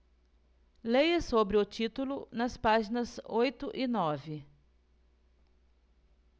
leia sobre o título nas páginas oito e nove